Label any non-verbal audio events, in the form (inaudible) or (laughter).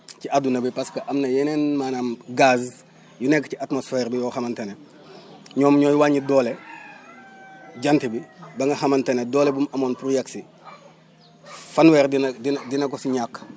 (smacks lips) ci adduna bi parce que parce que am na yeneen maanaam gaz yu nekk ci atmosphère bi yoo xamante ne (breath) ñoom ñooy wàññi doole (noise) jant bi ba nga xamante ne doole bu mu amoon pour yegg si (noise) fanweer dina dina dina ko si ñàkk